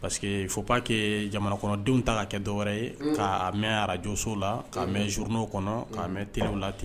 Parce que fo' que jamana kɔnɔdenw ta ka kɛ dɔwɛrɛ ye'a mɛn arajso la ka mɛn s zurunr'o kɔnɔ ka mɛn trw la ten